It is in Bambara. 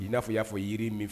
I n'a fɔ i y'a fɔ yiei min